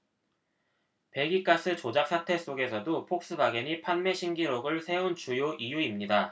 배기가스 조작사태 속에서도 폭스바겐이 판매 신기록을 세운 주요 이유입니다